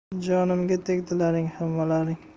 jonimga tegdilaring hammalaring